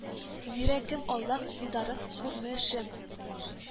Зирә кем, Аллаһ дидарын күрмешем